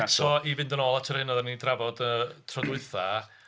Eto i fynd yn ôl at yr hyn oedden ni'n drafod tro dwytha...